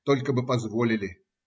только бы позволили.